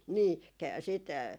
niin - sitten